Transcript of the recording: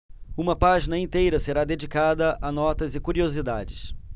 uma página inteira será dedicada a notas e curiosidades